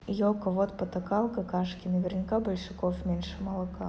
io ка вот потакал какашки наверняка большаков меньше молока